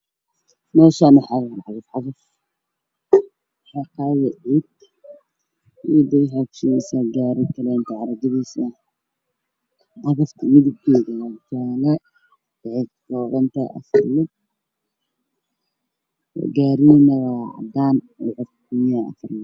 Meeshaan waxaa yaalo cagafcagaf waxay qaadaysaa ciid waxay kushubeysaa gaari kale oo carro gadis ah, cagaftu waa jaale, gaariguna waa cadaan.